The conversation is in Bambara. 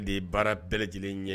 De ye baara bɛɛ lajɛlen ɲɛ